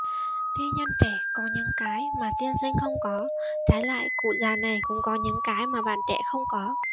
thi nhân trẻ có những cái mà tiên sinh không có trái lại cụ già này cũng có những cái mà bạn trẻ không có